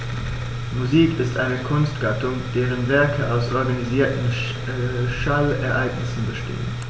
Musik ist eine Kunstgattung, deren Werke aus organisierten Schallereignissen bestehen.